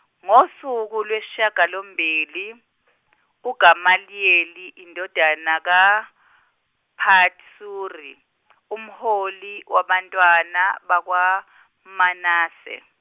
ngosuku lweshaka lombili uGamaliyeli indoda ka Phatsuri umholi wabatwana bakwaManase.